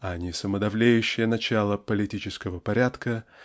а не самодовлеющие начала политического порядка